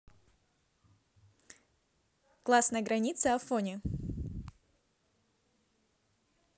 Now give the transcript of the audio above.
классная граница афони